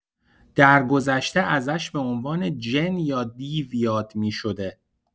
درگذشته ازش به عنوان جن یا دیو یاد می‌شده.